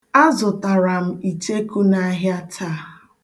Azụtara m icheku n'ahịa taa.